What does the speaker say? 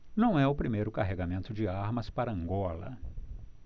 não é o primeiro carregamento de armas para angola